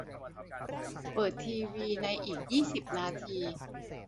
เปิดทีวีในอีกยี่สิบนาที